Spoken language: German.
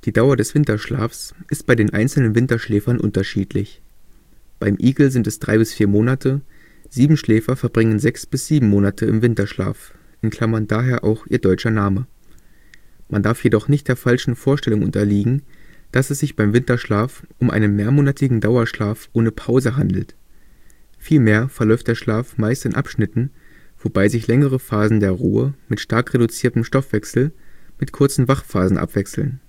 Dauer des Winterschlafs ist bei den einzelnen Winterschläfern unterschiedlich. Beim Igel sind es drei bis vier Monate; Siebenschläfer verbringen sechs bis sieben Monate im Winterschlaf (daher auch ihr deutscher Name). Man darf jedoch nicht der falschen Vorstellung unterliegen, dass es sich beim Winterschlaf um einen mehrmonatigen Dauerschlaf ohne Pause handelt. Vielmehr verläuft der Schlaf meist in Abschnitten, wobei sich längere Phasen der Ruhe mit stark reduziertem Stoffwechsel mit kurzen Wachphasen abwechseln